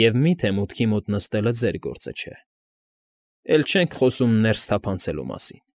Եվ մի՞թե մուտքի մոտ նստելը ձեր գործը չէ, էլ չենք խոսում ներս թափանցելու մասին։